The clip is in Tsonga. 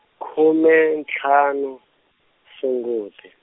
khume ntlhanu, Sunguti.